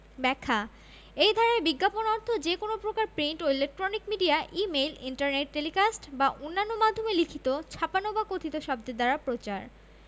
ব্যাখ্যাঃ এই ধারায় বিজ্ঞাপন অর্থ যে কোন প্রকার প্রিন্ট ও electronic media email internet telecast বা অন্যান্য মাধ্যমে লিখিত ছাপানো বা কথিত শব্দের দ্বারা প্রচার